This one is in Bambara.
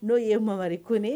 N'o ye mamari ko ye